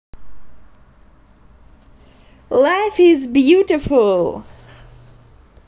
life is beautiful